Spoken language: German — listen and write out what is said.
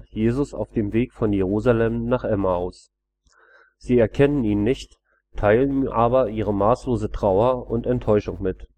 Jesus auf dem Weg von Jerusalem nach Emmaus. Sie erkennen ihn nicht, teilen ihm aber ihre maßlose Trauer und Enttäuschung mit